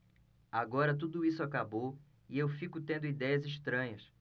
agora tudo isso acabou e eu fico tendo idéias estranhas